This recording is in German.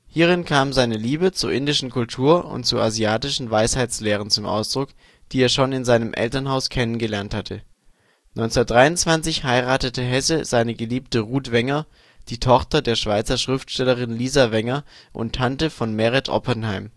Hierin kam seine Liebe zur indischen Kultur und zu asiatischen Weisheitslehren zum Ausdruck, die er schon in seinem Elternhaus kennengelernt hatte. 1923 heiratete Hesse seine Geliebte Ruth Wenger, die Tochter der Schweizer Schriftstellerin Lisa Wenger und Tante von Meret Oppenheim